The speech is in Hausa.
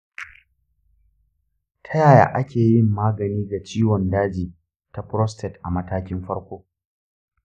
ta yaya ake yin magani ga ciwon daji ta prostate a matakin farko?